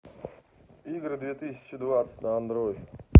игры две тысячи двадцать на андроид